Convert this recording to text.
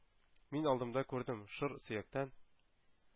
Мин алдымда күрдем шыр сөяктән